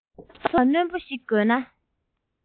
ཚོར རྟོག རྣོན པོ ཞིག དགོས ན